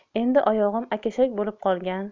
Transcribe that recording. endi oyog'im akashak bo'lib qolgan